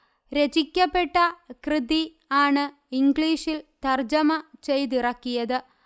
രചിക്കപ്പെട്ട കൃതി ആണ് ഇംഗ്ലീഷിൽ തർജ്ജുമ ചെയ്തിറക്കിയത്